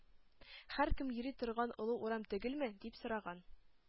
Һәркем йөри торган олы урам түгелме? — дип сораган.